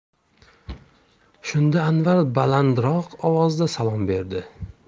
shunda anvar balandroq ovozda salom berdi